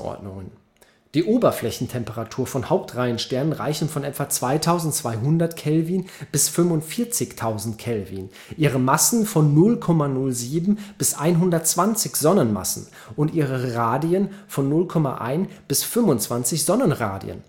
Die Oberflächentemperaturen von Hauptreihensternen reichen von etwa 2200 K bis 45.000 K, ihre Massen von 0,07 bis 120 Sonnenmassen und ihre Radien von 0,1 bis 25 Sonnenradien